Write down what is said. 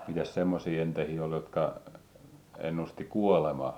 mitäs semmoisia enteitä oli jotka ennusti kuolemaa